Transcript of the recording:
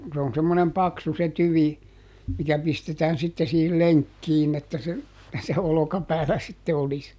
se on semmoinen paksu se tyvi mikä pistetään sitten siihen lenkkiin että se se olkapäällä sitten olisi